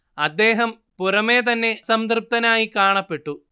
അദ്ദേഹം പുറമേ തന്നെ അസംതൃപ്തനായി കാണപ്പെട്ടു